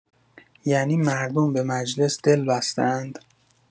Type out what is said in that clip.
یعنی مردم به مجلس دل‌بسته‌اند؟